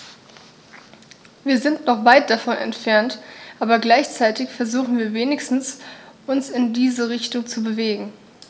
Wir sind noch weit davon entfernt, aber gleichzeitig versuchen wir wenigstens, uns in diese Richtung zu bewegen.